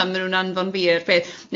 ...tan maen nhw'n anfon fi i'r peth.